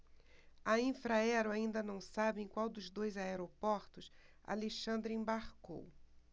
a infraero ainda não sabe em qual dos dois aeroportos alexandre embarcou